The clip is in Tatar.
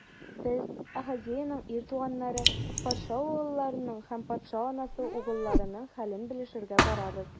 Без - Ахазеянең ир туганнары, патша угылларының һәм патша анасы угылларының хәлен белешергә барабыз.